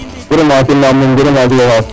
vraiment sim na nuun